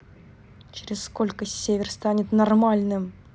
через сколько сервер станет нормальным